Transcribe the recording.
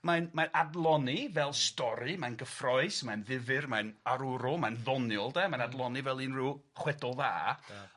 Mae'n mae'n adloni fel stori, mae'n gyffrous, mae'n ddifyr, mae'n arwrol, mae'n ddoniol de, mae'n adloni fel unryw chwedl dda. Ia.